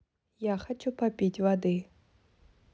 я хочу попить воды